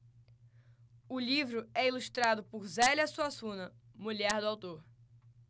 o livro é ilustrado por zélia suassuna mulher do autor